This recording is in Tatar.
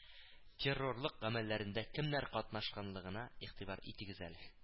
Террорлык гамәлләрендә кемнәр катнашканлыгына игътибар итегез әле